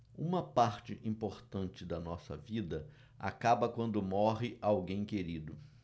uma parte importante da nossa vida acaba quando morre alguém querido